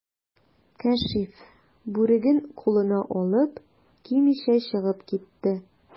Кәшиф, бүреген кулына алып, кимичә чыгып китте.